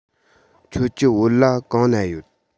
ཁྱོད ཀྱི བོད ལྭ གང ན ཡོད